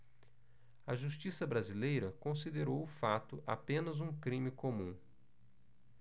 a justiça brasileira considerou o fato apenas um crime comum